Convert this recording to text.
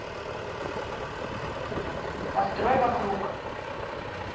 построй вокруг